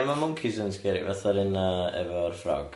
Ie ma' mwncis yn scary fatha'r un yy efo'r ffrog.